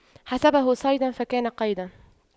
حسبه صيدا فكان قيدا